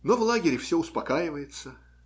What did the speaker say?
Но в лагере все успокаивается